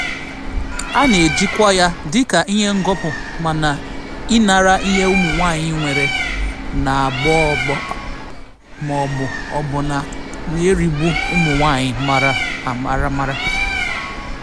A na-ejikwa ya dịka ihe ngọpụ maka ịnara ihe ụmụ nwaanyị nwere, na-abọ ọbọ ma ọ bụ ọbụna na-erigbu ụmụ nwaanyị maka aramara.